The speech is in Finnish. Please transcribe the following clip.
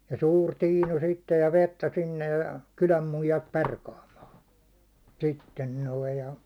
ja suuri tiinu sitten ja vettä sinne ja kylän muijat perkaamaan sitten noin ja